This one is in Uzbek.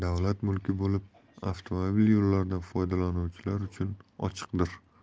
davlat mulki bo'lib avtomobil yo'llaridan foydalanuvchilar uchun ochiqdir